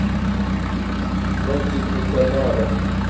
мультики камаро